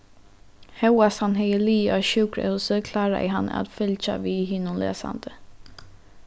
hóast hann hevði ligið á sjúkrahúsi kláraði hann at fylgja við hinum lesandi